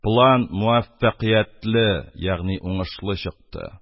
План муаффәкыятьле ягъни унышлы чыкты.